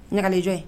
Ɲagalijɔ ye